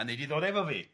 A nei di ddod efo fi